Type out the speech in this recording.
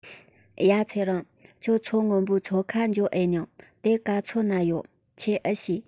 ཡ ཚེ རིང ཁྱོད མཚོ སྔོན པོའི མཚོ ཁ འགྱོ ཨེ མྱོང དེ གང ཚོད ན ཡོད ཁྱོས ཨེ ཤེས